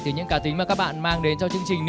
từ những cá tính mà các bạn mang đến cho chương trình nữa